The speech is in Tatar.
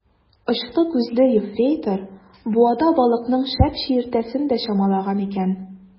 Очлы күзле ефрейтор буада балыкның шәп чиертәсен дә чамалаган икән.